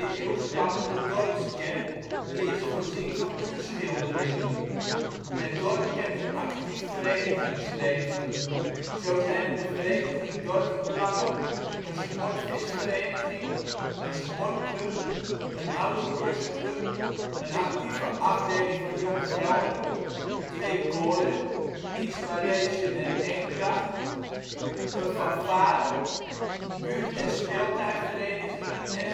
eeuw stammende dorpskerk, die is voorzien van muurschilderingen. Het dorp kent een actief verenigingsleven. Zo zijn er de vereniging Dorpsbelangen, een sportvisvereniging, een sportclub, een autocross club, een actieve afdeling van Jong Gelre, twee koren (Inspiration en Eendracht), een fanfare, buurt - en speeltuinverenigingen en